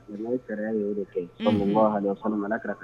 Mais n'o charia ninnu kun tɛ unhun salalahu alehi wasalam alakira ka